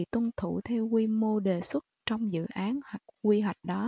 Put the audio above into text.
tuân thủ theo quy mô đề xuất trong dự án hoặc quy hoạch đó